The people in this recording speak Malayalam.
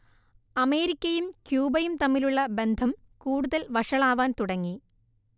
അമേരിക്കയും ക്യൂബയും തമ്മിലുള്ള ബന്ധം കൂടുതൽ വഷളാവാൻ തുടങ്ങി